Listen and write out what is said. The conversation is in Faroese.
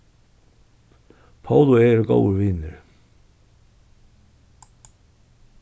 pól og eg eru góðir vinir